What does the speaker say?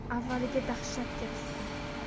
avvaliga dahshatga tushdim